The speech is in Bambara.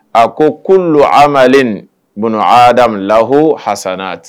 A ko kulu amalin bunu aadamlahu hasanat